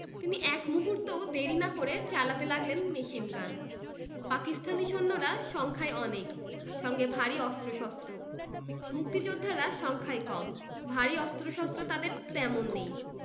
তিনি এক মুহূর্তও দেরি না করে চালাতে লাগলেন মেশিনগান পাকিস্তানি সৈন্যরা সংখ্যায় অনেক সঙ্গে ভারী অস্ত্রশস্ত্র মুক্তিযোদ্ধারা সংখ্যায় কম ভারী অস্ত্রশস্ত্র তাঁদের তেমন নেই